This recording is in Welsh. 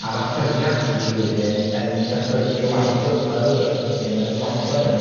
A ma'r tyfiant hynny wedyn, yn datblygu o amgylch fylb y planhigyn ma'n ymosod arno